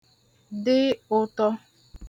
dị ụ̄tọ̄